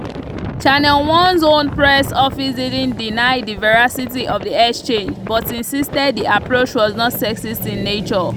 Channel One’s own press office didn’t deny the veracity of the exchange, but insisted the approach was not sexist in nature.